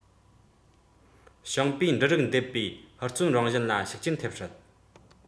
ཞིང པའི འབྲུ རིགས འདེབས པའི ཧུར བརྩོན རང བཞིན ལ ཤུགས རྐྱེན ཐེབས སྲིད